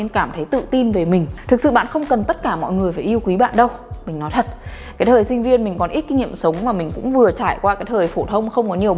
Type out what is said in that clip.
nên cảm thấy tự tin về mình thực sự bạn không cần tất cả mọi người phải yêu quý bạn đâu mình nói thật cái thời sinh viên mình còn ít kinh nghiệm sống và mình cũng vừa trải qua cái thời phổ thông không có nhiều